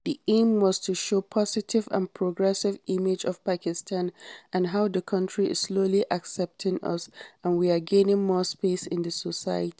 The aim was to show positive and progressive image of Pakistan and how the country is slowly accepting us and we are gaining more space in the society.